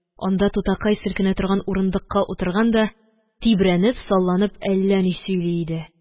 Анда тутакай селкенә торган урындыкка утырган да, тибрәнеп-салланып, әллә ни сөйли иде